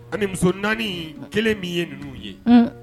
-A ni muso 4, 1 min ye ninnu ye